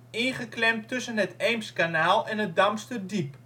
ingeklemd tussen het Eemskanaal en het Damsterdiep